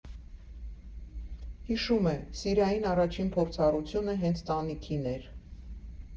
Հիշում է՝ սիրային առաջին փորձառությունը հենց տանիքին էր։